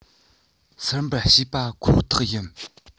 ཟུར འབུད བྱས པ ཁོ ཐག ཡིན